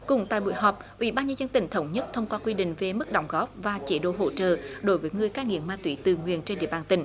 cũng tại buổi họp ủy ban nhân dân tỉnh thống nhất thông qua quy định về mức đóng góp và chế độ hỗ trợ đối với người cai nghiện ma túy tự nguyện trên địa bàn tỉnh